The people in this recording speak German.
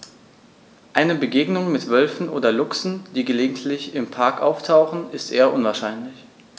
Eine Begegnung mit Wölfen oder Luchsen, die gelegentlich im Park auftauchen, ist eher unwahrscheinlich.